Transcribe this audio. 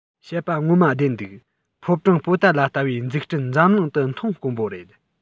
བཤད པ ངོ མ བདེན འདུག ཕོ བྲང པོ ཏ ལ ལྟ བུའི འཛུགས སྐྲུན འཛམ གླིང དུ མཐོང དཀོན པོ རེད